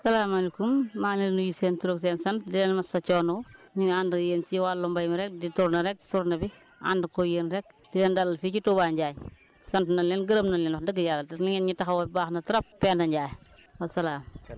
salaamaaleykum maa ngi leen di nuyu seen tur ak seen sant di leen masa wu coono ñu ànd ak yéen ci wàllu mbéy mi rek di tour, er rek journée bi ànd koog yéen rek di leen dalal fii ci touba Njaañ sant nañ leen gërëm nañ leen wax dëgg yàlla ndax ni ngeen ñu taxawoo baax na trop Penda Ndiaye wa salaam